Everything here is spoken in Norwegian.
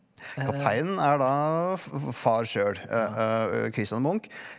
Kapteinen er da far sjøl Christian Munch.